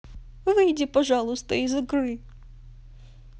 выйди пожалуйста из игры